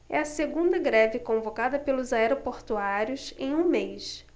é a segunda greve convocada pelos aeroportuários em um mês